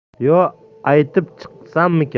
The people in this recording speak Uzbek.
yo aytib chiqsammikan